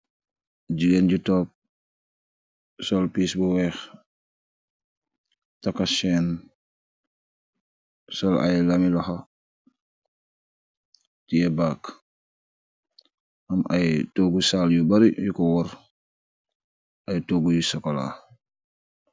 Jigeen ju toog sool pess bu weex taka chain sool ay lami loxo tiyeh bag aam ay togu saal yu bari yu ko worr ay togu yu chocola.